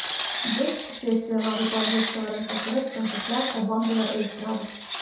Без, Швециягә татар җырчыларын чакырып, концертлар, Сабантуйлар оештырабыз.